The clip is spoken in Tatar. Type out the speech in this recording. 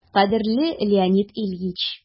«кадерле леонид ильич!»